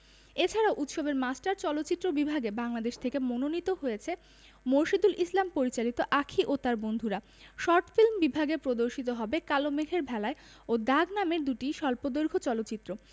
এছাড়াও উৎসবের মাস্টার চলচ্চিত্র বিভাগে বাংলাদেশ থেকে মনোনীত হয়েছে মোরশেদুল ইসলাম পরিচালিত আঁখি ও তার বন্ধুরা শর্ট ফিল্ম বিভাগে প্রদর্শিত হবে কালো মেঘের ভেলায় ও দাগ নামের দুটি স্বল্পদৈর্ঘ চলচ্চিত্র